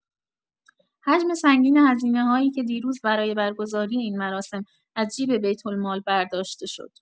حجم سنگین هزینه‌هایی که دیروز برای برگزاری این مراسم از جیب بیت‌المال برداشت شد.